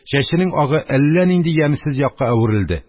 Чәченең агы әллә нинди ямьсез акка әверелде.